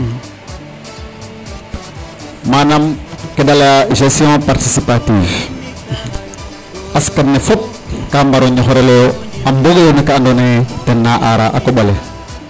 Manaam ke da layaa gestion partipative askan ne fop ga mbar o ñoxorelooyo a mbogooyo no ke andoona yee ten na aaraa a koƥ ale .